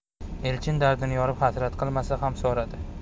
elchin dardini yorib hasrat qilmasa ham so'radi